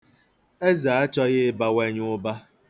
Eze achọghị ịbawanye ụba.